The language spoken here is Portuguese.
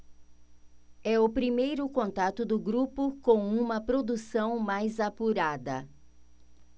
é o primeiro contato do grupo com uma produção mais apurada